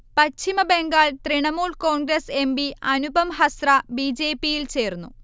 Paschim Bangal Trinamool Congress MP Anupam Hazra ബിജെപിയിൽ ചേർന്നു